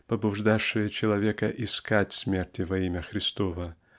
побуждавшие человека искать смерти во имя Христово.